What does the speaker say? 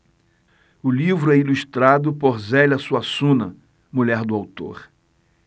o livro é ilustrado por zélia suassuna mulher do autor